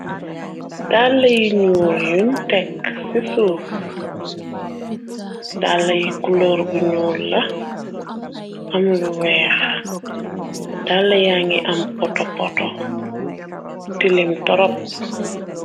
Dalla yi ñuul yun tek ci suuf ,dalla yi kulor bu ñuul la am lu wèèx dalla yangi am poto poto tilim torop.